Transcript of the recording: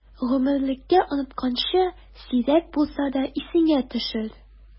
Гомерлеккә онытканчы, сирәк булса да исеңә төшер!